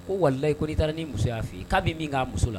Ko walila i ko n'i taara n ni muso y'a fɔ i k'a bɛ min k'a muso la